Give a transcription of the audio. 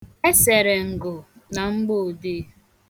E sere ngụ na mgboodee.